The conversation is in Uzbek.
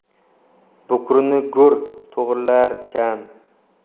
bukirni go'r to'g'irlarkan